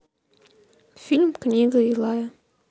фильм книга илая